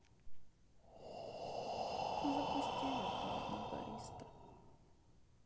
запусти виртуальный бариста